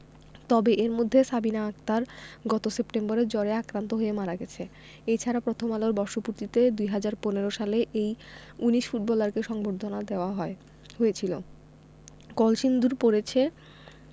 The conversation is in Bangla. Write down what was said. তবে এর মধ্যে সাবিনা আক্তার গত সেপ্টেম্বরে জ্বরে আক্রান্ত হয়ে মারা গেছে এ ছাড়া প্রথম আলোর বর্ষপূর্তিতে ২০১৫ সালে এই ১৯ ফুটবলারকে সংবর্ধনা দেওয়া হয় হয়েছিল কলসিন্দুর পড়েছে